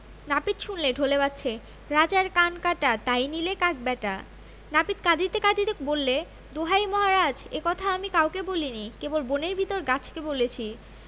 নাপিত শুনলে ঢোলে বাজছে ‘রাজার কান কাটা তাই নিলে কাক ব্যাটা নাপিত কঁদিতে কঁদিতে বললেদোহাই মহারাজ এ কথা আমি কাউকে বলিনি কেবল বনের ভিতর গাছকে বলেছি